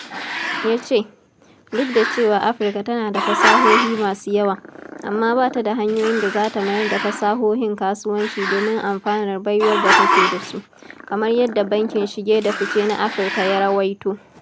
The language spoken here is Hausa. Ya ce, duk da cewa Afirka tana da fasahohi masu yawa, amma ba ta da hanyoyin da za ta mayar da fasahohin kasuwanci domin amfanar baiwar da take da su, kamar yadda Bankin Shige da Fice na Afirka ya rawaito.